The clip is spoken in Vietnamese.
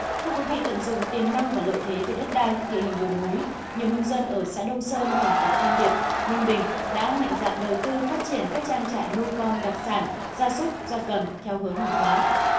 thưa quý vị tận dụng tiềm năng và lợi thế về đất đai địa hình đồi núi nhiều nông dân ở xã đông sơn thành phố tam điệp ninh bình đã mạnh dạn đầu tư phát triển các trang trại nuôi con đặc sản gia súc gia cầm theo hướng hàng hóa